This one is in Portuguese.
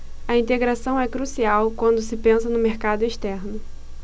a integração é crucial quando se pensa no mercado externo